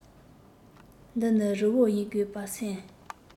འདི ནི རི བོ ཡིན དགོས པར སེམས